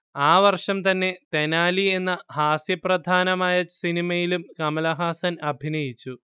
ആ വർഷം തന്നെ തെനാലി എന്ന ഹാസ്യപ്രധാനമായ സിനിമയിലും കമലഹാസൻ അഭിനയിച്ചു